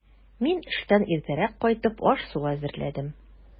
Мин, эштән иртәрәк кайтып, аш-су әзерләдем.